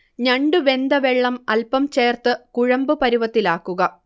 ഞണ്ട് വെന്ത വെള്ളം അൽപം ചേർത്ത് കുഴമ്പ് പരുവത്തിലാക്കുക